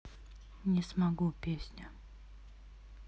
не смогу песня